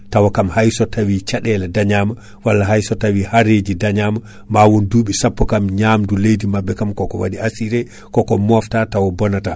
tawa kam hay so tawi caɗele dañama walla hay so tawi haraji dañama ma won duɓi sappo kam ñamdu leydi mabɓe kam koko assuré koko mofta taw bonata